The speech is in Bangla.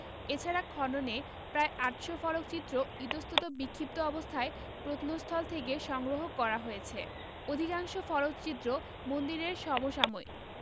এছাড়া খননে প্রায় ৮০০ ফলকচিত্র ইতস্তত বিক্ষিপ্ত অবস্থায় প্রত্নস্থল থেকে সংগ্রহ করা হয়েছে অধিকাংশ ফলকচিত্র মন্দিরের সমসাময়িক